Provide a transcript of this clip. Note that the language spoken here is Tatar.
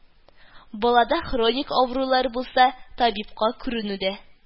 Балада хроник авырулар булса, табибка күренү дә